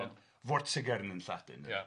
ond Vortigern yn Lladin. Ia.